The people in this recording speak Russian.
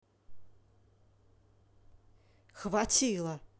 хватило